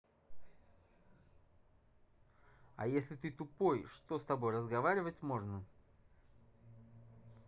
а если ты тупой что с тобой разговаривать можно